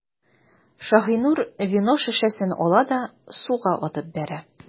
Шаһинур вино шешәсен ала да суга атып бәрә.